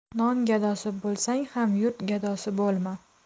non gadosi bo'lsang ham yurt gadosi bo'lma